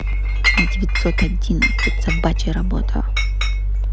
на девятьсот одиннадцать собачья работа